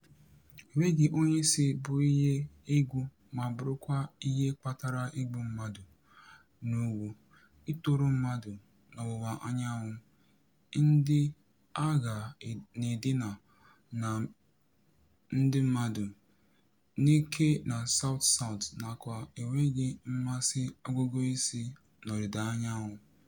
Enweghị Onyeisi bụ ihe egwù ma bụrụkwa ihe kpatara igbu mmadụ n'ugwu, ịtọrọ mmadụ n'ọwụwaanyanwụ, ndị agha na-edina ndị mmadụ n'ike na South South nakwa enweghị mmasị ọgụgụisi n'ọdịdaanyanwụ.